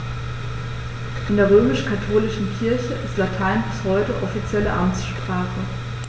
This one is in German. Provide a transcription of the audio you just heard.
In der römisch-katholischen Kirche ist Latein bis heute offizielle Amtssprache.